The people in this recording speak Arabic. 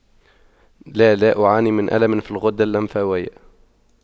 لا لا أعاني من ألم في الغدة اللمفاوية